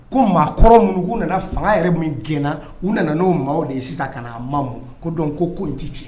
Ko maa kɔrɔ minnu u nana fanga yɛrɛ min gɛnna u nana n'o maa de ye sisan ka'a ma ko dɔn ko ko n t tɛ jigin